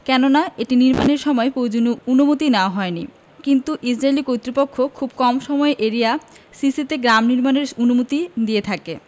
কেননা এটি নির্মাণের সময় প্রয়োজনীয় অনুমতি নেওয়া হয়নি কিন্তু ইসরাইলি কর্তৃপক্ষ খুব কম সময়ই এরিয়া সি তে গ্রাম নির্মাণের অনুমতি দিয়ে থাকে